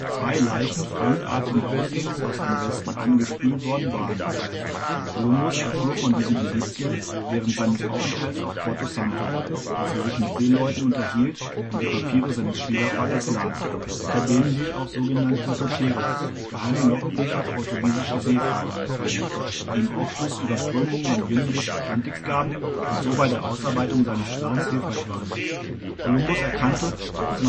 zwei Leichen fremdartigen Aussehens aus dem Westen angespült worden waren. Kolumbus erfuhr von diesen Indizien während seines Aufenthalts auf Porto Santo, als er sich mit Seeleuten unterhielt und die Papiere seines Schwiegervaters las, unter denen sich auch so genannte roteiros (geheime Logbücher portugiesischer Seefahrer) befanden, die ihm Aufschluss über Strömungen und Winde des Atlantiks gaben und so bei der Ausarbeitung seines Plans hilfreich waren. Kolumbus erkannte, dass